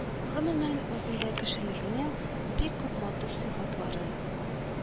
Гомумән, үзендә кешелекнең бик күп матур сыйфатларын